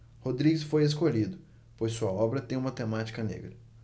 rodrigues foi escolhido pois sua obra tem uma temática negra